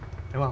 đúng không